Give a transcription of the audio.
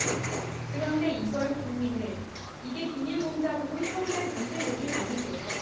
그런데 이걸 국민을 이게 비밀 공작으로 처리할 문제들이 아닌데요